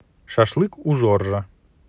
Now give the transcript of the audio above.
шашлык у жоржа